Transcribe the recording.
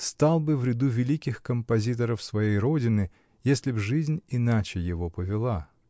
-- стал бы в ряду великих композиторов своей родины, если б жизнь иначе его повела